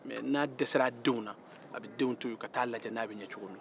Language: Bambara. mɛ n'a dɛsɛr'a denw na a bɛ denw to ye o ka taa lajɛ n'a bɛ cogo min